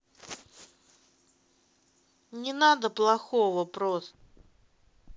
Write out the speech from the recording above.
не надо плохого просто